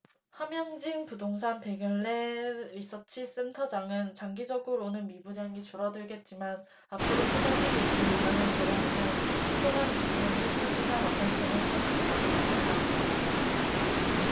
함영진 부동산 백 열 네 리서치센터장은 장기적으로는 미분양이 줄어들겠지만 앞으로 쏟아질 입주물량을 고려하면 한동안 미분양을 털기가 만만찮을 것 같다고 말했다